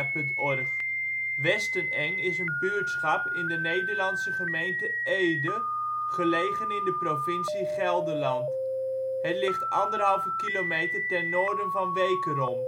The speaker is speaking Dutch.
OL Westeneng Plaats in Nederland Situering Provincie Gelderland Gemeente Ede Coördinaten 52° 8′ NB, 5° 43′ OL Portaal Nederland Beluister (info) Westeneng is een buurtschap in de Nederlandse gemeente Ede, gelegen in de provincie Gelderland. Het ligt 1,5 kilometer ten noorden van Wekerom